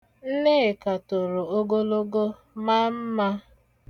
Nnekà toro ogologo maa mma.